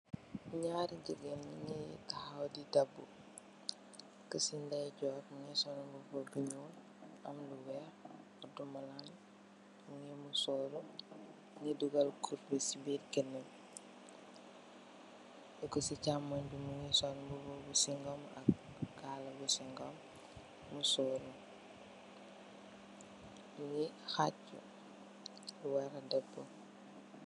Nyaari jigeen nyungi tahaw di dabbu, ku si ndayjor mingi sol mbubu bu nyuul am lu weex, oodu malaan, mingi musooru, mongi dugal kut gi si biir gannegi, ku si caamonj bi mingi sol mbubu bu singom, ak kaala bu singom, musooru, nyingi xaaci wara dabbu.